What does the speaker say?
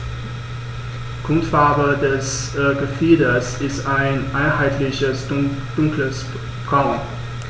Grundfarbe des Gefieders ist ein einheitliches dunkles Braun.